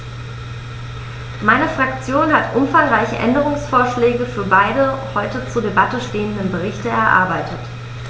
Meine Fraktion hat umfangreiche Änderungsvorschläge für beide heute zur Debatte stehenden Berichte erarbeitet.